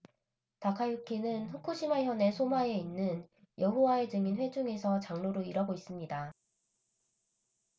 다카유키는 후쿠시마 현의 소마에 있는 여호와의 증인 회중에서 장로로 일하고 있습니다